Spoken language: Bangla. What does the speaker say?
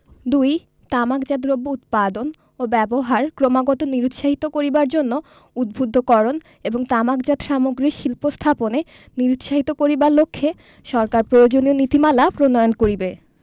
২ তামাকজাত দ্রব্য উৎপাদন ও ব্যবহার ক্রমাগত নিরুৎসাহিত করিবার জন্য উদ্বুদ্ধকরণ এবং তামাকজাত সামগ্রীর শিল্প স্থাপনে নিরুৎসাহিত করিবার লক্ষ্যে সরকার প্রয়োজনীয় নীতিমালা প্রণয়ন করিবে